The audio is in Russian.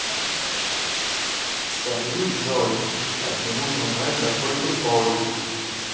салют джой почему мой брат такой тупой